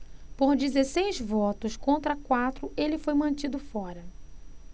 por dezesseis votos contra quatro ele foi mantido fora